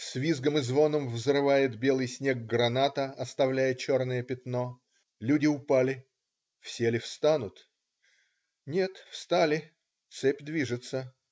с визгом и звоном взрывает белый снег граната, оставляя черное пятно. Люди упали. Все ли встанут? - нет, встали, цепь движется.